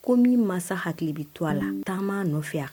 Ko min masa hakili bɛ to a la taama nɔfɛya